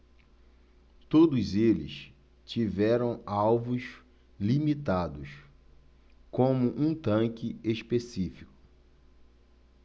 todos eles tiveram alvos limitados como um tanque específico